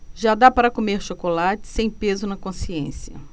já dá para comer chocolate sem peso na consciência